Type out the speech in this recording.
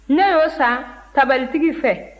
ne y'o san tabalitigi fɛ